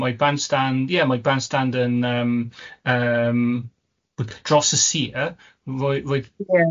Mae bandstand ie mae bandstand yn yym yym dros y sir roi roi... Ie.